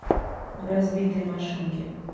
разбитые машинки